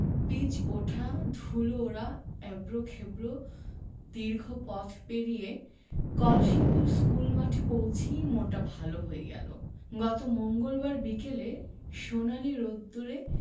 pitch ওঠা ধুলো ওড়া এবড়োখেবড়ো দীর্ঘ পথ পেরিয়ে কলসিন্দুর স্কুলমাঠে পৌঁছেই মনটা ভালো হয়ে গেল গত মঙ্গলবার বিকেলে সোনালি রোদ্দুরে